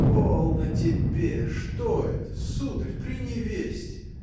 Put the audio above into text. — Полно тебе, что это, сударь, при невесте!.